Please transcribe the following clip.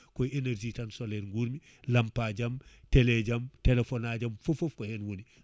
koye énergie tan solaire guurmi lampajam téléjam téléphonajam foof ko hen woni